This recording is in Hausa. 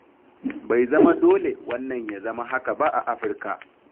Bai zama dole wannan ya zama haka ba a Afirka.